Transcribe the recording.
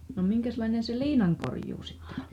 no minkäslainen se liinankorjuu sitten oli